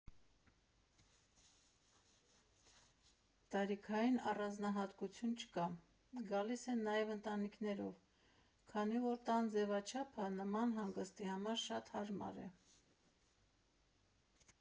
Տարիքային առանձնահատկություն չկա, գալիս են նաև ընտանիքներով, քանի որ տան ձևաչափը նման հանգստի համար շատ հարմար է։